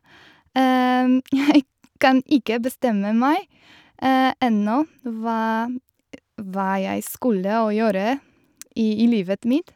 Jeg kan ikke bestemme meg ennå hva hva jeg skulle å gjøre i i livet mitt.